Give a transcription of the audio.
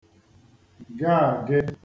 gàage